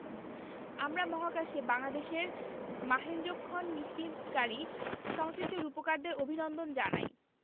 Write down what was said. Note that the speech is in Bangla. আমরা মহাকাশে বাংলাদেশের মাহেন্দ্রক্ষণ নিশ্চিতকারী সংশ্লিষ্ট রূপকারদের অভিনন্দন জানাই